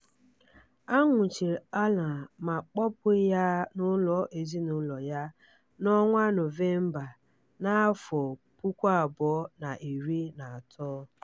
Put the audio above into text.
A nwụchiri Alaa ma kpọpụ ya n'ụlọ ezinụlọ ya na Nọvemba 2013.